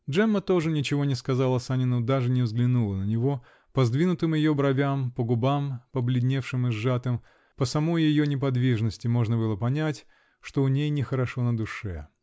Джемма тоже ничего не сказала Санину, даже не взглянула на него: по сдвинутым ее бровям, по губам, побледневшим и сжатым, по самой ее неподвижности можно было понять, что у ней нехорошо на душе.